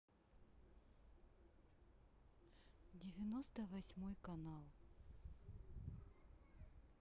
девяносто восьмой канал